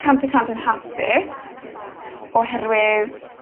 cant y cant yn hapus oherwydd